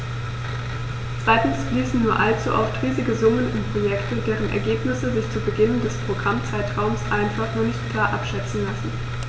Zweitens fließen nur allzu oft riesige Summen in Projekte, deren Ergebnisse sich zu Beginn des Programmzeitraums einfach noch nicht klar abschätzen lassen.